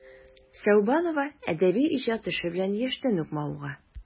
Сәүбанова әдәби иҗат эше белән яшьтән үк мавыга.